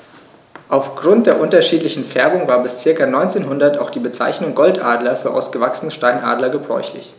Auf Grund der unterschiedlichen Färbung war bis ca. 1900 auch die Bezeichnung Goldadler für ausgewachsene Steinadler gebräuchlich.